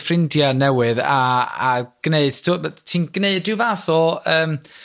ffrindia' newydd a a g'neud ti'n g'neud ryw fath o yym